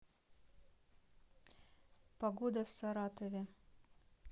погода в саратове